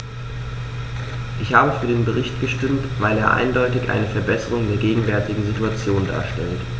Ich habe für den Bericht gestimmt, weil er eindeutig eine Verbesserung der gegenwärtigen Situation darstellt.